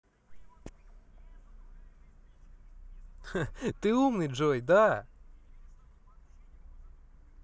ты умный джой да